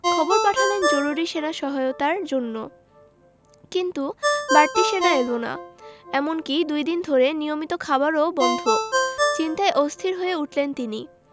খবর পাঠালেন জরুরি সেনা সহায়তার জন্য কিন্তু বাড়তি সেনা এলো না এমনকি দুই দিন ধরে নিয়মিত খাবারও বন্ধ চিন্তায় অস্থির হয়ে উঠলেন তিনি